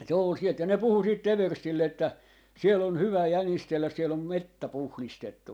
se oli sieltä ja ne puhui sitten everstille että siellä on hyvä jänistellä siellä on metsä puhdistettu